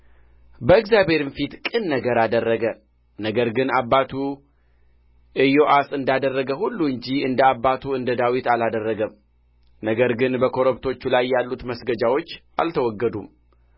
በእግዚአብሔርም ፊት ቅን ነገር አደረገ ነገር ግን አባቱ ኢዮአስ እንዳደረገ ሁሉ እንጂ እንደ አባቱ እንደ ዳዊት አላደረገም ነገር ግን በኮረብቶቹ ላይ ያሉት መስገጃዎች አልተወገዱም